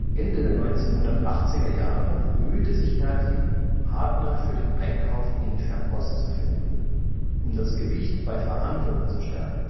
Ende der 1980er-Jahre bemühte sich Hertie, Partner für den Einkauf in Fernost zu finden, um das Gewicht bei Verhandlungen zu stärken